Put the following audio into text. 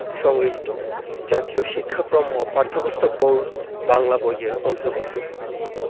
প্রকাশকঃ সব্যসাচী ঢাকা ১৯৮১ পৃষ্ঠাঃ ৭১ থেকে ৭২ collected from intermediate Bangla Bengali Clinton B Seely